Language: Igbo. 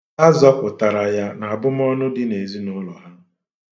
A zọpụtara ya n'abụmọnụ dị n'ezinuụlọ ha.